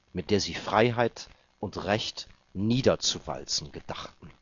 mit der sie Freiheit und Recht niederzuwalzen gedachten